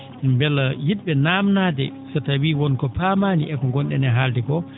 mbela yit?e namdaade so tawii won ko paamaani e ko ngon?en e haalde koo